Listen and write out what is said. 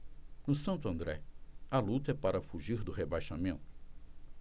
no santo andré a luta é para fugir do rebaixamento